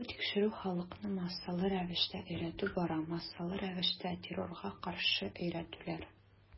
Бу тикшерү, халыкны массалы рәвештә өйрәтү бара, массалы рәвештә террорга каршы өйрәтүләр.